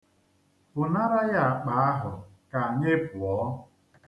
Pụnara ya akpa ahụ ka anyị pụọ!